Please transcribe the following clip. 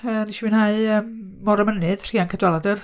Yy, wnes i fwynhau, yym, 'Môr a Mynydd', Rhian Cadwaladr.